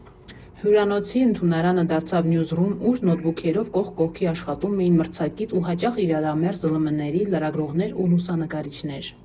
Հյուրանոցի ընդունարանը դարձավ նյուզ֊ռում, ուր նոթբուքերով կողք կողքի աշխատում էին մրցակից ու հաճախ իրարամերժ զլմ֊ների լրագրողներ ու լուսանկարիչներ։